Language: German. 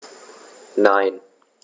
Nein.